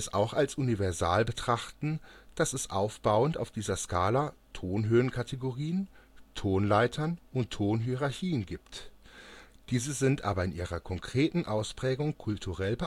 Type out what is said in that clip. auch als universal betrachten, dass es aufbauend auf dieser Skala Tonhöhenkategorien, Tonleitern und Tonhierarchien gibt - diese sind aber in ihrer konkreten Ausprägung kulturell beeinflusst